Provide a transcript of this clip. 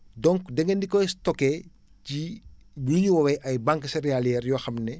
donc da ngeen di koy stocker ci lu ñuy woowee ay banque céréaliaires yoo xam ne